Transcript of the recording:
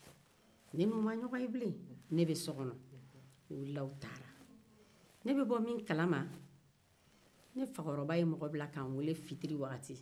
ne bɛ so kɔnɔ u wulila u taara ne bɛ bɔ min kalama ne fakɔrɔba ye mɔgɔ bila ka n'weele fitiriwagati